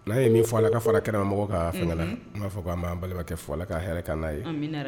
N'a ye min fɔ a la ka fara kɛnɛma' fɛn n b'a fɔ ko an'an balima kɛ fɔ ka hɛrɛ ka n'a ye